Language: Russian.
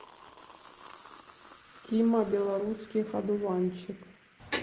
тима белорусских одуванчик